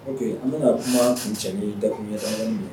Ok an bɛna kuma kuncɛ ni dakurujɛ damadɔ ye